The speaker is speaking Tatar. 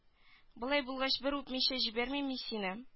Болай булгач бер үпмичә җибәрмим мин сине